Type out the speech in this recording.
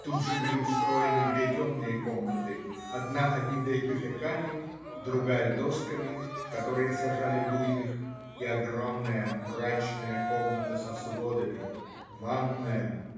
тут же были устроены две темные комнаты, одна обитая тюфяками, другая досками, в которые сажали буйных, и огромная мрачная комната со сводами ванная.